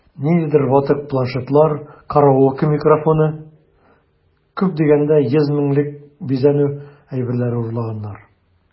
Ниндидер ватык планшетлар, караоке микрофоны(!), күп дигәндә 100 меңлек бизәнү әйберләре урлаганнар...